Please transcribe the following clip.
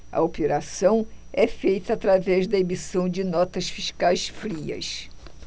a operação é feita através da emissão de notas fiscais frias